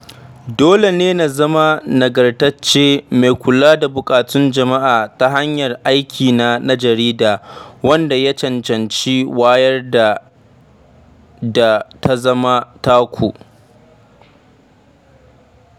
Dole ne na zama nagartacce, mai kula da buƙatun jama'a ta hanyar aikina na jarida, wanda ya cancanci wayarwar da ta zama taku.